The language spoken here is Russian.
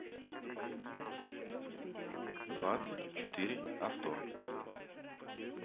двадцать четыре авто